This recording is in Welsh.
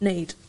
neud?